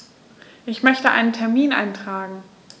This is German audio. Ich möchte einen Termin eintragen.